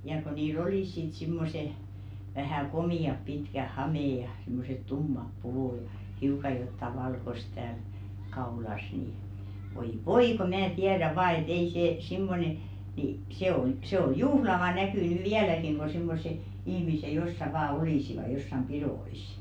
ja kun niillä olivat sitten semmoiset vähän komeat pitkät hameet ja semmoiset tummat puvut ja hiukan jotakin valkoista täällä kaulassa niin voi voi kun minä tiedän vain että ei se semmoinen niin se on se on juhlava näky nyt vieläkin kun semmoiset ihmiset jossakin vain olisivat jossakin pidoissa